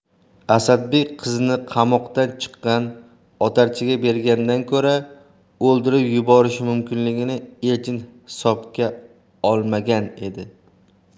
asadbek qizini qamoqdan chiqqan otarchiga berganidan ko'ra o'ldirib yuborishi mumkinligini elchin hisobga olmagan edi